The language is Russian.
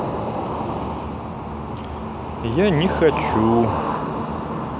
я не хочу